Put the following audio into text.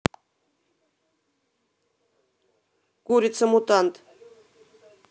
курица мутант